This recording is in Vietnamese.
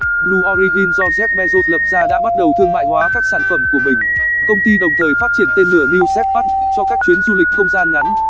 blue origin do jeff bezos lập ra đã bắt đầu thương mại hóa các sản phẩm của mình công ty đồng thời phát triển tên lửa new shepard cho các chuyến du lịch không gian ngắn